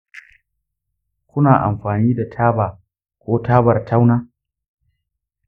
kuna amfani da taba ko tabar tauna?